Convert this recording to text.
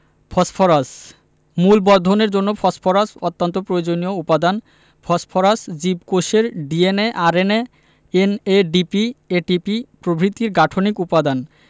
phosphorus মূল বর্ধনের জন্য ফসফরাস অত্যন্ত প্রয়োজনীয় উপাদান ফসফরাস জীবকোষের ডিএনএ আরএনএ এনএডিপি এটিপি প্রভৃতির গাঠনিক উপাদান